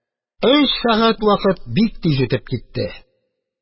Өч сәгать вакыт бик тиз үтеп китте.